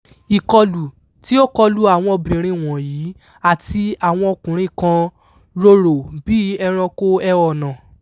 Ìkọlù tí ó kọ lu àwọn obìnrin wọ̀nyí (àti àwọn ọkùnrin kan) rorò bí ẹranko ẹhànnà.